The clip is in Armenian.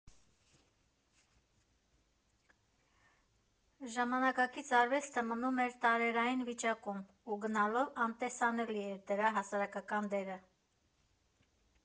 Ժամանակակից արվեստը մնում էր տարերային վիճակում ու գնալով անտեսանելի էր դրա հասարակական դերը։